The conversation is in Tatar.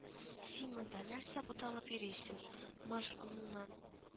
- син моңда нәрсә буталып йөрисең, марш оннан